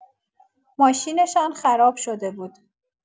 ماشین‌شان خراب شده بود.